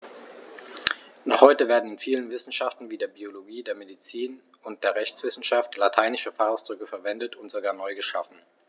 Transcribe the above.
Noch heute werden in vielen Wissenschaften wie der Biologie, der Medizin und der Rechtswissenschaft lateinische Fachausdrücke verwendet und sogar neu geschaffen.